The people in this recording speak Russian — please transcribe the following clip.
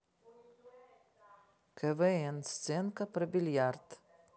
квн сценка про бильярд